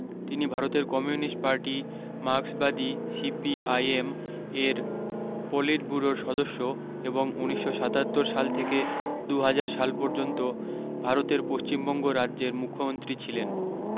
তিনি ভারতের communist party মার্কসবাদী সিপিআইএম এর পলিটব্যুরোর সদস্য এবং উনিশশ সাতাত্তর সাল থেকে দু হাজার সাল পর্যন্ত ভারতের পশ্চিমবঙ্গ রাজ্যের মুখ্যমন্ত্রী ছিলেন